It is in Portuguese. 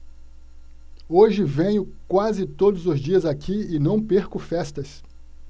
hoje venho quase todos os dias aqui e não perco festas